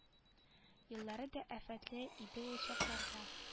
Еллары да афәтле иде ул чакларда